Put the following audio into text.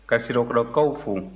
ka sirakɔrɔkaw fo